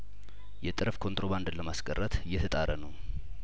የጠረፍ ኮንትሮባንድን ለማስቀረት እየተጣረ ነው